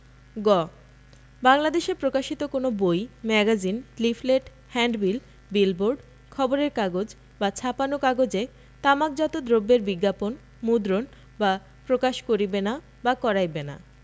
গ বাংলাদেশে প্রকাশিত কোন বই ম্যাগাজিন লিফলেট হ্যান্ডবিল বিলবোর্ড খবরের কাগজ বা ছাপানো কাগজে তামাকজাত দ্রব্যের বিজ্ঞাপন মুদ্রণ বা প্রকাশ করিবে না বা করাইবে না